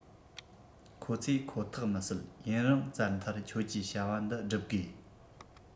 ཁོ ཚོས ཁོ ཐག མི སྲིད ཡུན རིང བཙལ མཐར ཁྱོད ཀྱིས བྱ བ འདི བསྒྲུབ དགོས